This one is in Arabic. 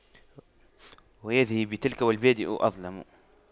هذه بتلك والبادئ أظلم